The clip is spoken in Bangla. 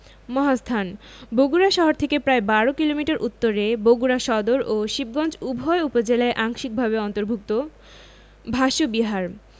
মহাস্থান বগুড়া শহর থেকে প্রায় ১২ কিলোমিটার উত্তরে বগুড়া সদর ও শিবগঞ্জ উভয় উপজেলায় আংশিকভাবে অন্তর্ভুক্ত ভাসু বিহার